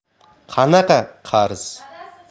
qanaqa qarz